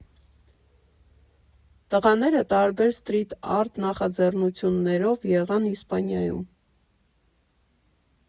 Տղաները տարբեր սթրիթ արթ նախաձեռնություններով եղան Իսպանիայում։